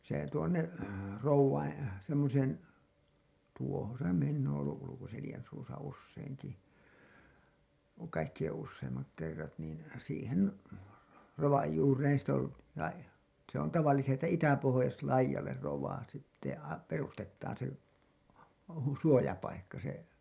se tuonne rovien semmoiseen tuohon se minä olen ollut Ulkoselän suussa useinkin kaikkien useimmat kerrat niin siihen rovan juureen sitten oli - se on tavallisesti että itäpohjoislaidalle rovaa sitten - perustetaan se - suojapaikka se